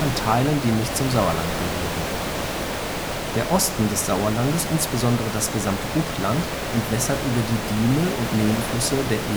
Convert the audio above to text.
Teilen, die nicht zum Sauerland gehören. Der Osten des Sauerlandes, insbesondere das gesamte Upland, entwässert über die Diemel und Nebenflüsse der